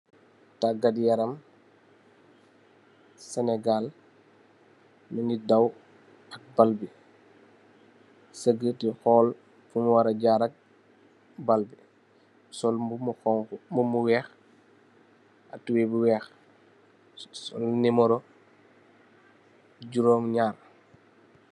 Taagat yaram Senegal nungi daw ball bi, sagg di hool fum wara jarak ball bi, sol mbumu honku, mbumu weeh ak tubeye bu weeh, sol nèmorro juróom naari.